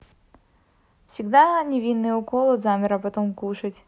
всегда невинные уколы замер а потом кушать